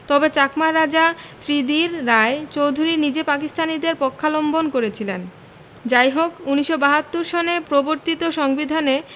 তবে চাকমা রাজা ত্রিদির রায় চৌধুরী নিজে পাকিস্তানীদের পক্ষাবলম্বন করেছিল যাহোক ১৯৭২ সনে প্রবর্তিত সংবিধানে